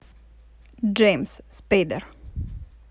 джеймс спейдер